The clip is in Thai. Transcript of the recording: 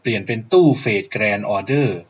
เปลี่ยนเป็นตู้เฟทแกรนด์ออเดอร์